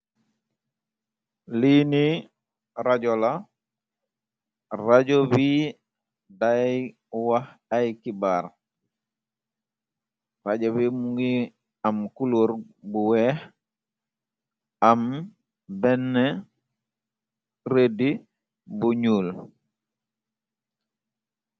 Lii ni rajola rajo bi day wax ay kibaar raja bi mu ngi am kulóor bu weex am benn rëdi bu ñuul.